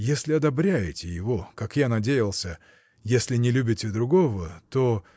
если одобряете его, как я надеялся. если не любите другого, то.